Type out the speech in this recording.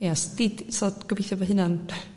ie so di - so gobithio fo huna'n